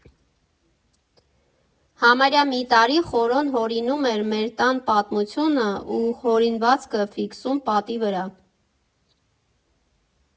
Համարյա մի տարի Խորոն հորինում էր մեր տան պատմությունը ու հորինվածքը ֆիքսում պատի վրա։